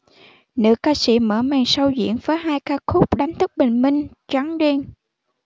nữ ca sĩ mở màn show diễn với hai ca khúc đánh thức bình minh trắng đen